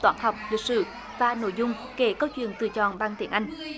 toán học lịch sử và nội dung kể câu chuyện từ chọn bằng tiếng anh